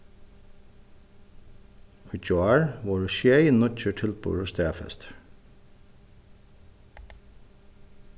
í gjár vóru sjey nýggir tilburðir staðfestir